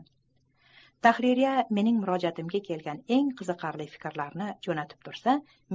tahririya mening murojaatimga kelgan eng qiziqarli fikrlarni jo'natib tursa